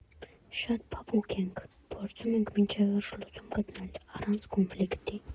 Շատ փափուկ ենք, փորձում ենք մինչև վերջ լուծում գտնել՝ առանց կոնֆլիկտի։